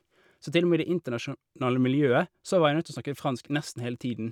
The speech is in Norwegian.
Så til og med i det internasjonale miljøet så var jeg nødt å snakke fransk nesten hele tiden.